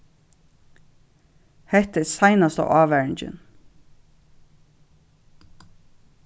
hetta er seinasta ávaringin